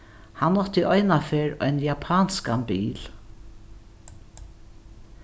hann átti einaferð ein japanskan bil